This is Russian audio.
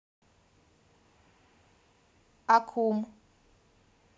аккум